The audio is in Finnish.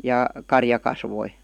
ja karja kasvoi